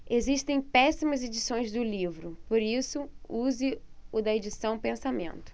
existem péssimas edições do livro por isso use o da edição pensamento